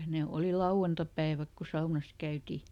ne oli lauantaipäivät kun saunassa käytiin